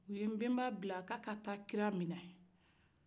u ye nbenba bila kila k'a ka taa kira mina